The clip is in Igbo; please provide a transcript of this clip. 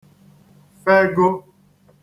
fego